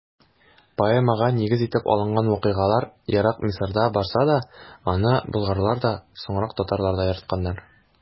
Поэмага нигез итеп алынган вакыйгалар ерак Мисырда барса да, аны болгарлар да, соңрак татарлар да яратканнар.